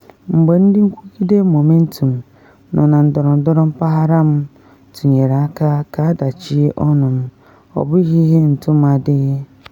Mgbe ndị nkwụgide Momentum nọ na ndọrọndọrọ mpaghara m tụnyere aka ka adachie ọnụ m, ọ bụghị ihe ntụmadị.